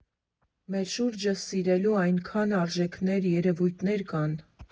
Մեր շուրջը սիրելու այնքան արժեքներ, երևույթներ կան…